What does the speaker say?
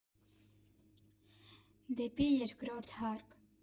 Դեպի երկրորդ հարկ։